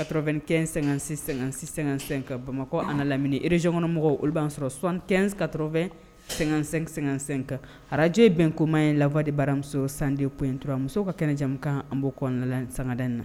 Kato2-ɛn--sɛ-sɛ--sɛka bamakɔ a laminirezykkɔnɔmɔgɔw olu de b'a sɔrɔ sontɛn ka sɛgɛnsɛ-sɛ kan araraje bɛnkoma in lafa de baramuso san de ko inur musow ka kɛnɛjakan an b' kɔnɔna sanda in na